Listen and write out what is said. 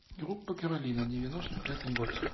группа каролина девяносто пятый год